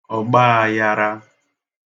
ògbaayārā